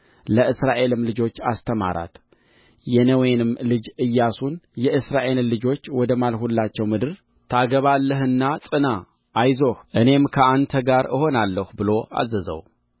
ለእስራኤልም ልጆች አስተማራት የነዌንም ልጅ ኢያሱን የእስራኤልን ልጆች ወደ ማልሁላቸው ምድር ታገባለህና ጽና አይዞህ እኔም ከአንተ ጋር እሆናለሁ ብሎ አዘዘው